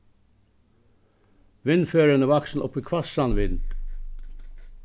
vindferðin er vaksin upp í hvassan vind